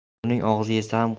bo'rining og'zi yesa ham